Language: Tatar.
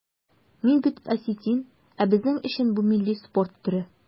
Мин бит осетин, ә безнең өчен бу милли спорт төре.